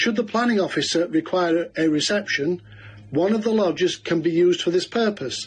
Should the planning officer require a reception, one of the lodges can be used for this purpose.